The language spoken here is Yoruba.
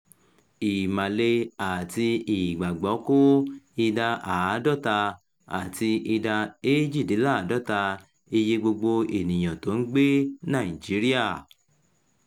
Ìmàle àti Ìgbàgbọ́ kó ìdá 50 àti ìdá 48 iye gbogbo ènìyàn t'ó ń gbé Nàìjíríà.